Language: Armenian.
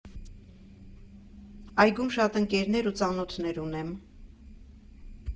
Այգում շատ ընկերներ ու ծանոթներ ունեմ։